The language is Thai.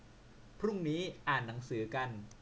พรุ่งนี้อ่านหนังสือกัน